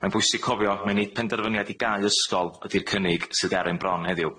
Mae'n bwysig cofio mai nid penderfyniad i gau ysgol ydi'r cynnig sydd ger ein bron heddiw.